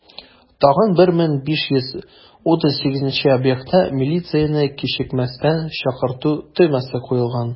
Тагын 1538 объектта милицияне кичекмәстән чакырту төймәсе куелган.